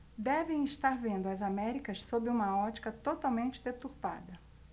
devem estar vendo as américas sob uma ótica totalmente deturpada